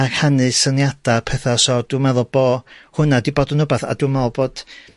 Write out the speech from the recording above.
a rhannu syniada petha' so dwi meddwl bo' hwnna 'di bod yn wbath a dwi me'wl bod